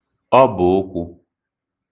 ọbụ̀ụkwụ̄